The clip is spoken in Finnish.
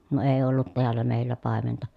ne ei ollut täällä meillä paimenta